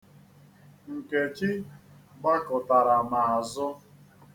Nkechi gbakụtara m azụ.